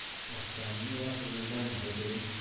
oqidanmi yo qizilidanmi xo'jayin